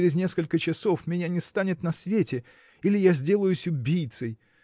через несколько часов меня не станет на свете или я сделаюсь убийцей.